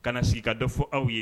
Ka na sigi ka dɔ fɔ aw ye